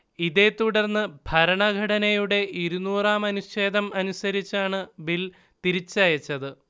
ഇതേ തുടർന്നു ഭരണഘടനയുടെ ഇരുന്നൂറാം അനുഛേദം അനുസരിച്ചാണ് ബിൽ തിരിച്ചയച്ചത്